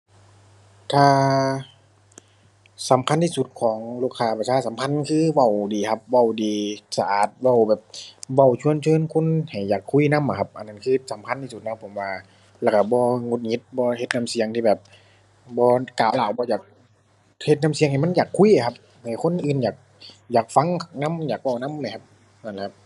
ถ้าสำคัญที่สุดของลูกค้าประชาสัมพันธ์คือเว้าดีครับ เว้าดี สะอาด เว้าแบบ เว้าชวนเชิญคนให้อยากคุยนำอะครับ อันนั้นคือสำคัญที่สุดนะครับผมว่า แล้วก็บ่หงุดหงิด บ่เฮ็ดนำเสียงที่แบบ บ่ก้าวร้าว บ่อยาก เฮ็ดน้ำเสียงให้มันอยากคุยอะครับ ให้คนอื่นอยาก อยากฟัง นำ อยากเว้านำนั้นแหมครับ นั่นแหละครับ